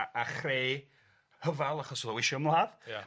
a a chreu hyfal achos o'dd o isio ymladd... Ia...